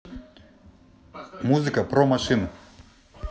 музыка про машин